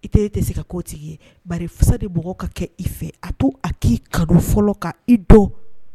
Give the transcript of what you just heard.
I tɛ e tɛ se ka kotigi ye bafasa de b' ka kɛ i fɛ a to a k'i ka fɔlɔ ka i do